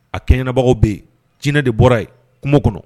A kɛɲɛnabagaw bɛ yen jinɛ de bɔra yen kungo kɔnɔ